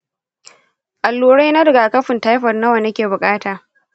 allurai na rigakafin taifoid nawa nake bukata?